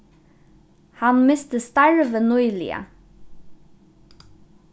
hann misti starvið nýliga